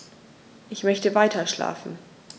Ich möchte weiterschlafen.